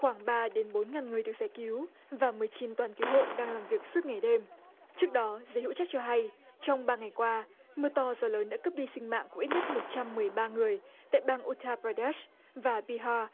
khoảng ba đến bốn ngàn người được giải cứu và mười chín tuần cứu hộ đang làm việc suốt ngày đêm trước đó giới hữu trách cho hay trong ba ngày qua mưa to gió lớn đã cướp đi sinh mạng của ít nhất một trăm mười ba người tại bang u ta ba ri đát sờ và bi ha